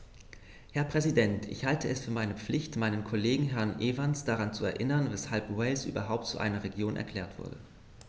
Herr Präsident, ich halte es für meine Pflicht, meinen Kollegen Herrn Evans daran zu erinnern, weshalb Wales überhaupt zu einer Region erklärt wurde.